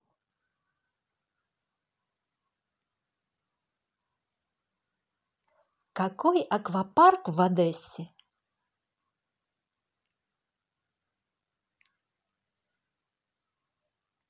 какой аквапарк в одессе